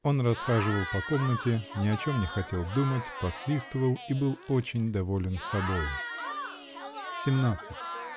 Он расхаживал по комнате, ни о чем не хотел думать, посвистывал -- и был очень доволен собою. Семнадцать.